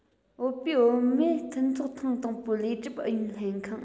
བོད པའི བུད མེད མཐུན ཚོགས ཐེངས དང པོའི ལས སྒྲུབ ཨུ ཡོན ལྷན ཁང